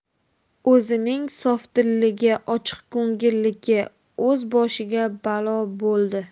o'zining sofdilligi ochiqko'ngilligi o'z boshiga balo bo'ldi